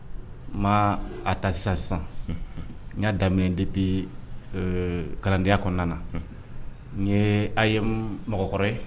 N ma ata sisan sisan n y'a daminɛ de bɛ kalandenyaya kɔnɔna na n ye a ye mɔgɔkɔrɔba ye